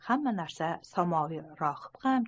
hamma narsa samoviy rohib ham